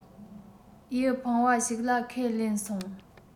ཡིད ཕངས བ ཞིག ལ ཁས ལེན སོང